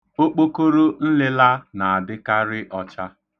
Okpokoro nlịla na-adịkarị ọcha.